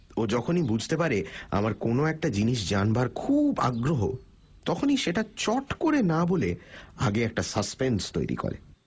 ও যখনই বুঝতে পারে আমার কোনও একটা জিনিস জানবার খুব আগ্রহ তখনই সেটা চট করে না বলে আগে একটা সাসপেন্স তৈরি করে